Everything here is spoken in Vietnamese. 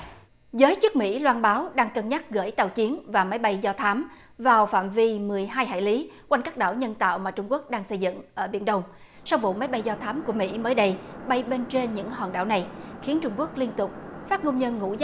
giới chức mỹ loan báo đang cân nhắc gửi tàu chiến và máy bay do thám vào phạm vi mười hai hải lý quanh các đảo nhân tạo mà trung quốc đang xây dựng ở biển đông sau vụ máy bay do thám của mỹ mới đây bay bên trên những hòn đảo này khiến trung quốc liên tục phát ngôn nhân ngũ